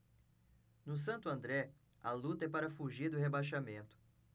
no santo andré a luta é para fugir do rebaixamento